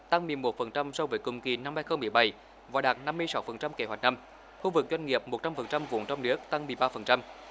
tăng mười một phần trăm so với cùng kỳ năm hai không mười bảy và đạt năm mươi sáu phần trăm kế hoạch năm khu vực doanh nghiệp một trăm phần trăm vốn trong nước tăng mười ba phần trăm